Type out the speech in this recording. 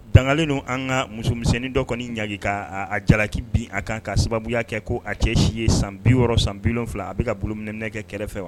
Dangalen don an ka musomisɛnnin dɔ kɔni ɲaga ka a jalaki bin a kan ka sababu yyaa kɛ ko a cɛ si ye san bi san bi wolonwula a bɛ ka bolominɛɛnɛkɛ kɛrɛfɛ wa